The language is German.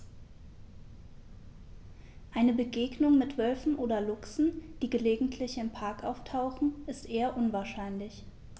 Eine Begegnung mit Wölfen oder Luchsen, die gelegentlich im Park auftauchen, ist eher unwahrscheinlich.